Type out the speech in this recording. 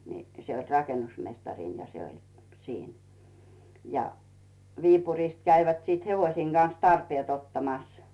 niin se oli rakennusmestari ja se oli siinä ja Viipurista kävivät sitten hevosien kanssa tarpeet ottamassa